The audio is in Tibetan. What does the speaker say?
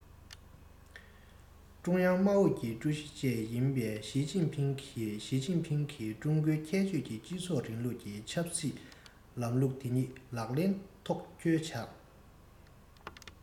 ཀྲུང དབྱང དམག ཨུད ཀྱི ཀྲུའུ ཞི བཅས ཡིན པའི ཞིས ཅིན ཕིང གིས ཞིས ཅིན ཕིང གིས ཀྲུང གོའི ཁྱད ཆོས ཀྱི སྤྱི ཚོགས རིང ལུགས ཀྱི ཆབ སྲིད ལམ ལུགས དེ ཉིད ལག ལེན ཐོག འཁྱོལ བ དང